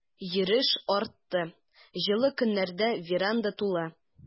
Йөреш артты, җылы көннәрдә веранда тулы.